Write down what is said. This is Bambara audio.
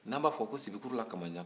n'an b'a fɔ ko sibikuru la kamandjan